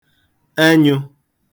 enyụ̄